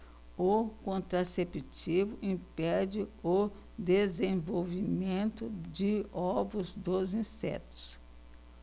o contraceptivo impede o desenvolvimento de ovos dos insetos